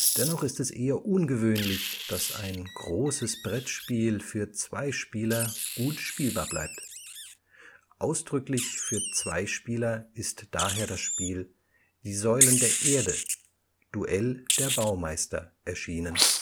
Dennoch ist es eher ungewöhnlich, dass ein großes Brettspiel für zwei Spieler gut spielbar bleibt. Ausdrücklich für zwei Spieler ist daher das Spiel Die Säulen der Erde – Duell der Baumeister erschienen